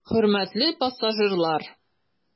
Хөрмәтле пассажирлар!